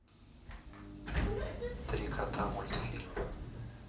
три кота мультфильм